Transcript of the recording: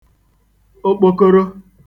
okpokoro